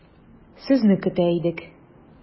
Сезне көтә идек.